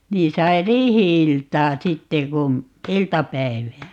niin sai riihi-iltaa sitten kun iltapäivää